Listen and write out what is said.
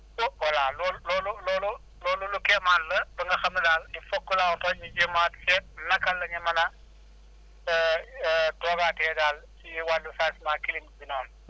soo voilà loolu loolu loolu lu kéemaan la ba nga xam ne daal il foog daal pour ñu jéemaat seet naka la ñuy mën a toogaatee daal ci wàllu chabgement clim bi noonu